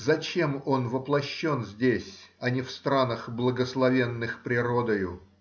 Зачем он воплощен здесь, а не в странах, благословенных природою?